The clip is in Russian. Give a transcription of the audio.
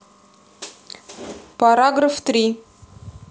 параграф три